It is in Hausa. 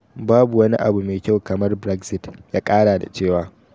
Babu wani abu mai kyau kamar Brexit, ‘ya kara da cewa.